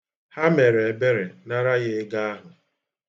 Ha mere ebere nara ya ego ahụ.̣